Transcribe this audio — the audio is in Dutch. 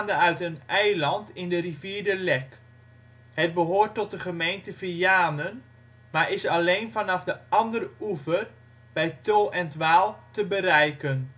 uit een eiland in de rivier de Lek. Het behoort tot de gemeente Vianen, maar is alleen vanaf de andere oever, bij Tull en ' t Waal, te bereiken